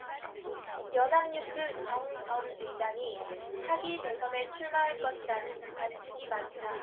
연합뉴스 정 전 의장이 차기 대선에 출마할 것이라는 관측이 많다